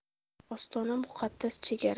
ostona muqaddas chegara